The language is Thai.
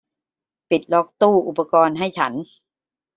ปิดล็อคตู้อุปกรณ์ให้ฉัน